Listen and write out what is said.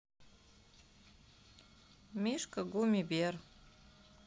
мишка гуммибер